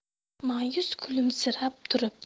ma'yus kulimsirab turib